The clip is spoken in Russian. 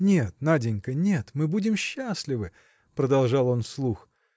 – Нет, Наденька, нет, мы будем счастливы! – продолжал он вслух.